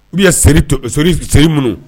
Oubien seri tobi seri seri munun.